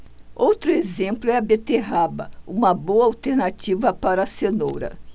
outro exemplo é a beterraba uma boa alternativa para a cenoura